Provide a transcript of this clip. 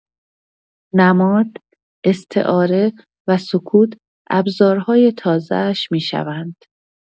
نماد، استعاره و سکوت، ابزارهای تازه‌اش می‌شوند.